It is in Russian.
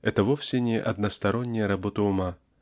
Это вовсе не односторонняя работа ума